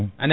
a na*